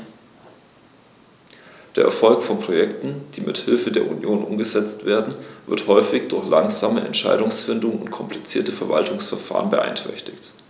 Der Erfolg von Projekten, die mit Hilfe der Union umgesetzt werden, wird häufig durch langsame Entscheidungsfindung und komplizierte Verwaltungsverfahren beeinträchtigt.